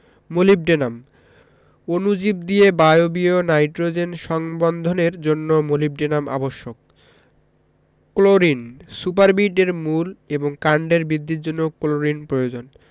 molybdenum অণুজীব দিয়ে বায়বীয় নাইট্রোজেন সংবন্ধনের জন্য মোলিবডেনাম আবশ্যক ক্লোরিন সুপারবিট এর মূল এবং কাণ্ডের বৃদ্ধির জন্য ক্লোরিন প্রয়োজন